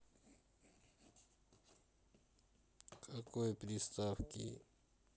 какой приставки